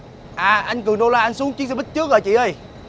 hả anh cường đô la xuống chuyến xe buýt trước rồi chị ơi